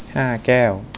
ห้าแก้ว